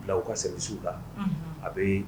Bila u ka sɛsiww la a bɛ